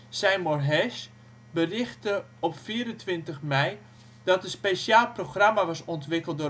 Seymour Hersh berichtte op 24 mei dat een speciaal programma was ontwikkeld